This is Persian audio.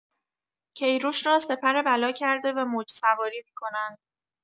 کی‌روش را سپر بلا کرده و موج‌سواری می‌کنند.